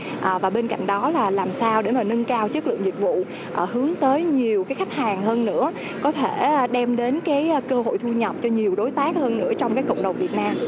à và bên cạnh đó là làm sao để mà nâng cao chất lượng dịch vụ ờ hướng tới nhiều khách hàng hơn nữa có thể đem đến cái cơ hội thu nhập cho nhiều đối tác hơn nữa trong cái cộng đồng việt nam